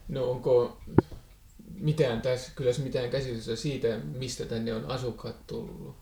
no onko mitään tässä kylässä mitään käsitystä siitä mistä tänne on asukkaat tullut